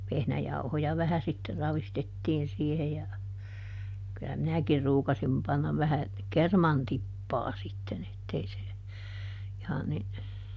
vehnäjauhoja vähän sitten ravistettiin siihen ja kyllä minäkin ruukasin panna vähän kerman tippaa sitten että ei se ihan niin